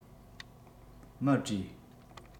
མར བྲོས